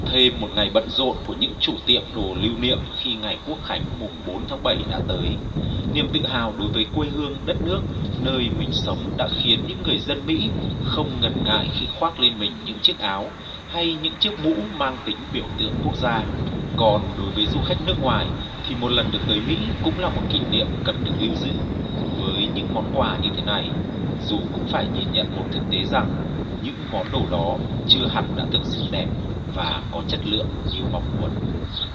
thêm một ngày bận rộn của những chủ tiệm đồ lưu niệm khi ngày quốc khánh mùng bốn tháng bẩy đã tới niềm tự hào đối với quê hương đất nước nơi mình sống đã khiến những người dân mỹ không ngần ngại khi khoác lên mình những chiếc áo hay những chiếc mũ mang tính biểu tượng quốc gia còn đối với du khách nước ngoài thì một lần được tới mỹ cũng là một kỷ niệm cần được lưu giữ với những món quà như thế này dù cũng phải nhìn nhận một thực tế rằng những món đồ đó chưa hẳn đã thực sự đẹp và có chất lượng như mong muốn